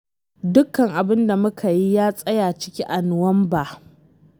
“Dukkan abin da muka yi ya tsaya ciki a Nuwamba.